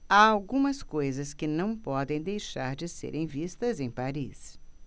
há algumas coisas que não podem deixar de serem vistas em paris